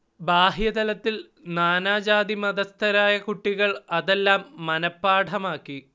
ബാഹ്യതലത്തിൽ നാനാ ജാതി-മതസ്ഥരായ കുട്ടികൾ അതെല്ലാം മനപ്പാഠമാക്കി